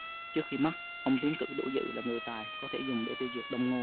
trước khi mất ông tiến cử đỗ dự là người tài có thể dùng để tiêu diệt đông ngô